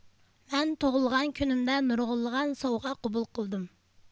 مەن تۇغۇلغان كۈنۈمدە نۇرغۇنلىغان سوۋغا قوبۇل قىلدىم